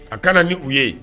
A kana ni u yeee.